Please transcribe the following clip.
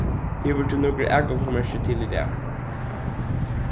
hevur tú nøkur atgongumerki til í dag